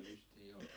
ja lystiä oli